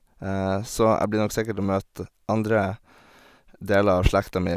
Så jeg blir nok sikkert å møte andre deler av slekta mi.